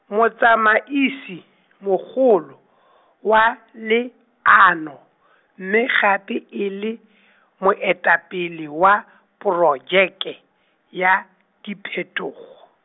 motsamaisi, mogolo , wa leano , mme gape e le , moetapele wa, porojeke, ya, diphetogo.